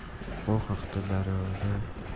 bu haqda daryo ga